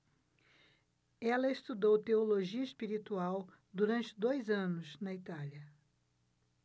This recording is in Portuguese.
ela estudou teologia espiritual durante dois anos na itália